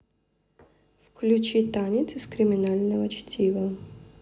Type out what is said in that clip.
включи танец из криминального чтива